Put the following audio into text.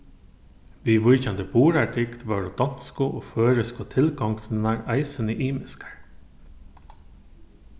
viðvíkjandi burðardygd vóru donsku og føroysku tilgongdirnar eisini ymiskar